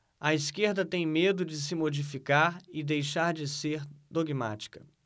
a esquerda tem medo de se modificar e deixar de ser dogmática